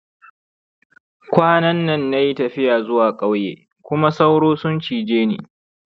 kwanan nan na yi tafiya zuwa ƙauye kuma sauro sun cije ni